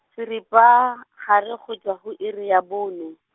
seripa gare go tšwa go iri ya bone.